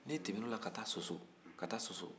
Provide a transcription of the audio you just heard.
n'i tɛmɛ n'o la ka taa soso ka taa soso